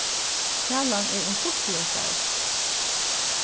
talan er um fulltíðarstarv